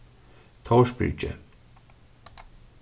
tórsbyrgi